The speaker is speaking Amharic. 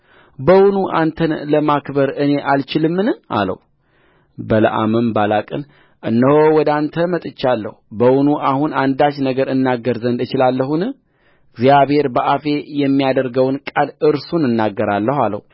በውኑ አንተን ለማክበር እኔ አልችልምን አለውበለዓምም ባላቅን እነሆ ወደ አንተ መጥቼአለሁ በውኑ አሁን አንዳችን ነገር እናገር ዘንድ እችላለሁን እግዚአብሔር በአፌ የሚያደርገውን ቃል እርሱን እናገራለሁ አለው